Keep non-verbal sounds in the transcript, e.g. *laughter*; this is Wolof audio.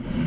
*hesitation* *hesitation*